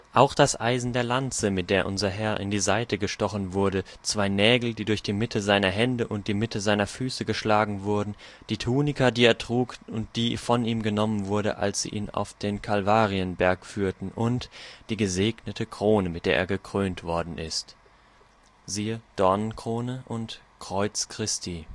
auch das Eisen der Lanze, mit der unser Herr in die Seite gestochen wurde, zwei Nägel, die durch die Mitte seiner Hände und die Mitte seiner Füße geschlagen wurden, die Tunika, die er trug und die von ihm genommen wurde, als sie ihn auf den Kalvarienberg führten und... die gesegnete Krone, mit der er gekrönt worden ist " (siehe Dornenkrone und Kreuz Christi